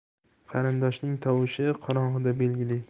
qarindoshning tovushi qorong'ida belgili